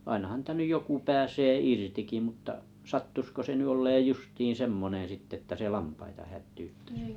ainahan niitä nyt joku pääsee irtikin mutta sattuisiko se nyt olemaan justiin semmoinen sitten että se lampaita hätyyttäisi